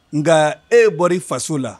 Nka e bɔra faso la